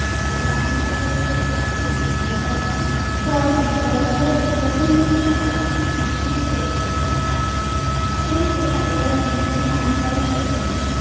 ও তামাকজাত দ্রব্যের উৎপাদন ব্যবহার ক্রয় বিক্রয় ও বিজ্ঞাপন নিয়ন্ত্রণ করা সমীচীন ও প্রয়োজনীয় সেহেতু এতদ্বারা নিম্নরূপ আইন করা হইল